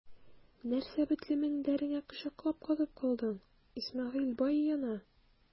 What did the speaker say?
Нәрсә бетле мендәреңне кочаклап катып калдың, Исмәгыйль бай яна!